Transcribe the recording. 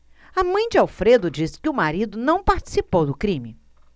a mãe de alfredo diz que o marido não participou do crime